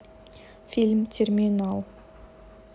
фильм терминал